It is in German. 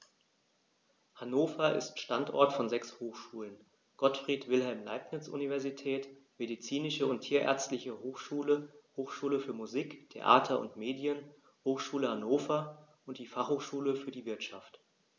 Hannover ist Standort von sechs Hochschulen: Gottfried Wilhelm Leibniz Universität, Medizinische und Tierärztliche Hochschule, Hochschule für Musik, Theater und Medien, Hochschule Hannover und die Fachhochschule für die Wirtschaft.